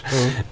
ja.